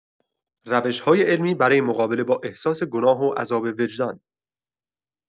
روش‌های علمی برای مقابله با احساس گناه و عذاب وجدان